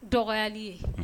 Dɔgɔyali ye